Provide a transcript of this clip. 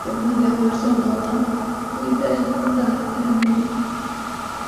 defnyddio amersonol ond dwi'n deud ynde yym